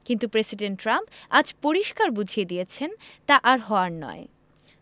কিন্তু president Trump আজ পরিষ্কার বুঝিয়ে দিয়েছেন তা আর হওয়ার নয়